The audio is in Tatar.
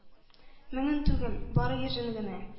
Меңен түгел, бары йөзен генә